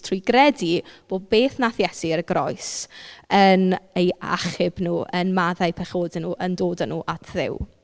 Trwy gredu bod beth wnaeth Iesu ar y groes yn eu achub nhw yn maddau pechodau nhw yn dod â nhw at Dduw.